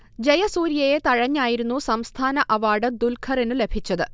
ജയസൂര്യയെ തഴഞ്ഞായിരുന്നു സംസ്ഥാന അവാർഡ് ദുല്ഖറിനു ലഭിച്ചത്